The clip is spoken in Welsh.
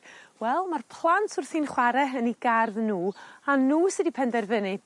Wel ma'r plant wrthi'n chware yn 'u gardd n'w a n'w sy 'di penderfynu